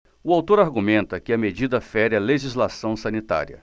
o autor argumenta que a medida fere a legislação sanitária